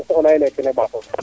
*